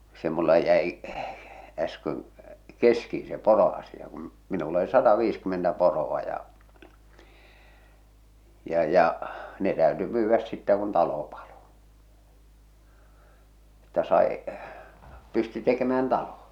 se minulla jäi äsken kesken se poroasia kun minulla oli sataviisikymmentä poroa ja ja ja ne täytyi myydä sitten kun talo paloi että sai pystyi tekemään talon